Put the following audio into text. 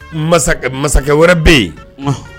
Masakɛ wɛrɛ bɛ yen